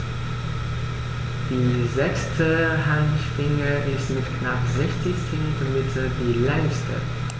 Die sechste Handschwinge ist mit knapp 60 cm die längste.